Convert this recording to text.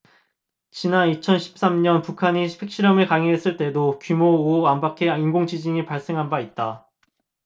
지난 이천 십 삼 년 북한이 핵실험을 감행했을 때에도 규모 오 안팎의 인공지진이 발생한 바 있다